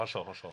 Hollol hollol.